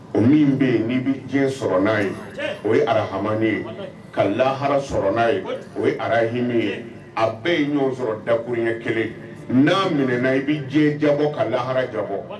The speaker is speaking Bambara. O min be yen ni bɛ diɲɛ sɔrɔ na ye , o ye arahamani ye. Ka lahara sɔrɔ na ye, o ye arahimi ye a bɛɛ ye ɲɔgɔn sɔrɔ dakuruɲɛ kelen na minɛna i bɛ diɲɛ jabɔ ka lahara jabɔ.